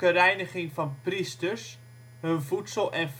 reiniging van priesters, hun voedsel, en